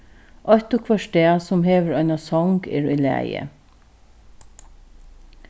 eitt og hvørt stað sum hevur eina song er í lagi